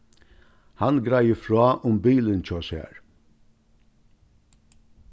hann greiðir frá um bilin hjá sær